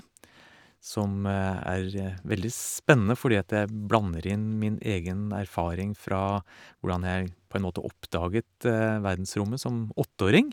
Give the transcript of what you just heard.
Som er veldig spennende, fordi at jeg blander inn min egen erfaring fra hvordan jeg på en måte oppdaget verdensrommet som åtteåring.